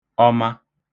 ọma